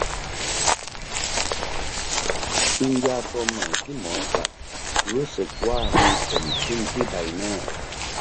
กินยาตัวใหม่ที่หมอจัดรู้สึกว่ามีตุ่มขึ้นที่ใบหน้า